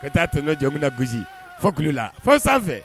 Ka taaa toɲɔjɔmina na gosi fokulu la fo sanfɛ